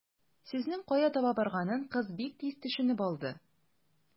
Сүзнең кая таба барганын кыз бик тиз төшенеп алды.